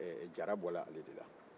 jara bɔra ale de la